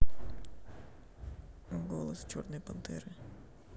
голос черной пантеры